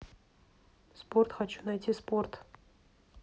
спорт хочу найти спорт